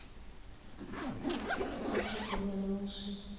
азбука для малышей